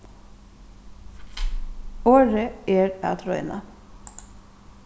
orðið er at royna